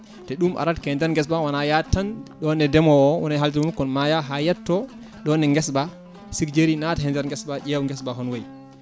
te ɗum arata key nder guesa ba wona yaade tan ɗon e ndeemowo wona e haldude mum kono ma yaaha ha yetto ɗon e guesa ba siiki jaari naata hen e nder guesa ba ƴeewa guesa ba hono wayi